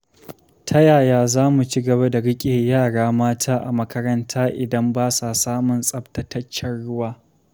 Ta yaya za mu ci gaba da riƙe yara mata a makaranta idan ba sa samun tsabtataccen ruwa?